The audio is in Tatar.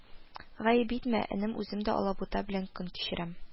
Гаеп итмә, энем үзем дә алабута белән көн кичерәм